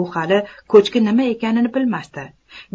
u hali ko'chki nima ekanini bilmasdi